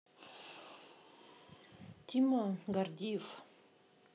тима гордиев